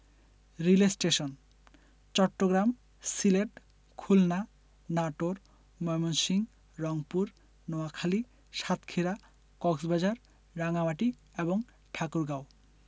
relay station Chittagong Sylhet Khulna Natore Mymensingh Rangpur Noakhali Satkhira Cox's Bazar Rangamati এবং ঠাকুরগাঁও